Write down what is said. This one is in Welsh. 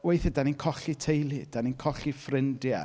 Weithiau dan ni'n colli teulu, dan ni'n colli ffrindiau.